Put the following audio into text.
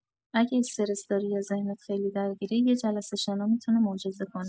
اگه استرس داری یا ذهنت خیلی درگیره، یه جلسه شنا می‌تونه معجزه کنه.